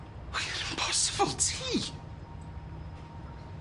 Oh you'r impossible, ti?